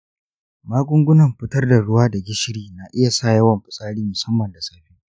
magungunan fitar da ruwa da gishiri na iya sa yawan fitsari, musamman da safe.